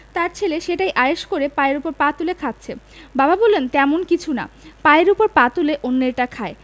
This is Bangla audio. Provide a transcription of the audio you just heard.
তার ছেলে সেটাই আয়েশ করে পায়ের ওপর পা তুলে খাচ্ছে বাবা বললেন তেমন কিছু না পায়ের ওপর পা তুলে অন্যেরটা খায়